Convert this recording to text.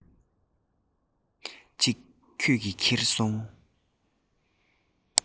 གཅིག ཁྱོད ཀྱིས ཁྱེར སོང